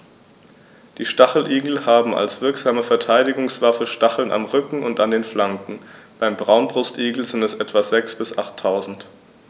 Die Stacheligel haben als wirksame Verteidigungswaffe Stacheln am Rücken und an den Flanken (beim Braunbrustigel sind es etwa sechs- bis achttausend).